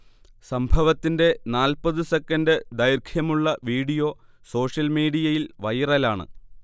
സംഭവത്തിന്റെ നാൽപ്പത് സെക്കൻഡ് ദൈർഘ്യമുള്ള വീഡിയോ സോഷ്യൽ മീഡിയയിൽ വൈറലാണ്